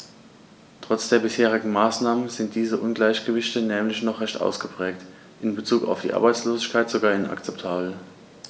Trotz der bisherigen Maßnahmen sind diese Ungleichgewichte nämlich noch recht ausgeprägt, in bezug auf die Arbeitslosigkeit sogar inakzeptabel.